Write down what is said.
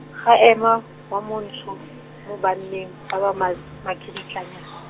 ga ema, wa Montsho, mo banneng, ba ba ma-, makiritlanya-.